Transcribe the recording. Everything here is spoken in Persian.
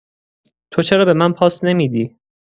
تو چرا به من پاس نمی‌دی؟